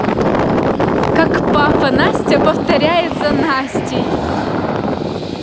как папа настя повторяет за настей